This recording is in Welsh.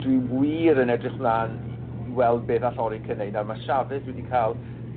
dwi wir yn edrych mla'n i i i weld beth all Orica neud. Nawr ma' Chaves wedi ca'l